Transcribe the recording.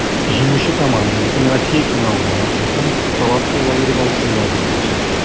Җиңүче команда бөтенроссия финалына "Десантник" палаткалы лагере базасында әзерләнәчәк.